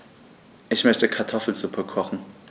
Ich möchte Kartoffelsuppe kochen.